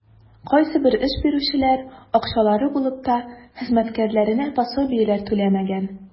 Кайсыбер эш бирүчеләр, акчалары булып та, хезмәткәрләренә пособиеләр түләмәгән.